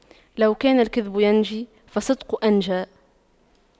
لو كان الكذب ينجي فالصدق أنجى